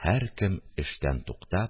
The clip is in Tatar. Һәркем эштән туктап